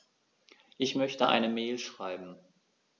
Ich möchte eine Mail schreiben.